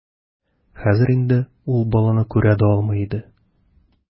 Хәзер инде ул баланы күрә дә алмый иде.